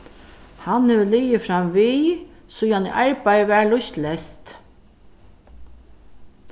hann hevur ligið framvið síðani arbeiðið varð lýst leyst